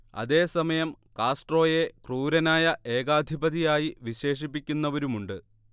അതേ സമയം കാസ്ട്രോയെ ക്രൂരനായ ഏകാധിപതിയായി വിശേഷിപ്പിക്കുന്നവരുമുണ്ട്